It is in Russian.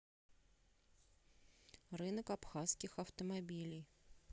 рынок абхазских автомобилей